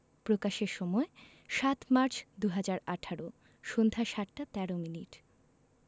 প্রকাশের সময় ০৭মার্চ ২০১৮ সন্ধ্যা ৭টা ১৩ মিনিট